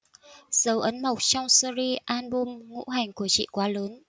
dấu ấn mộc trong seri album ngũ hành của chị quá lớn